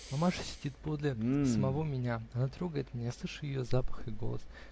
мамаша сидит подле самого меня она трогает меня я слышу ее запах и голос.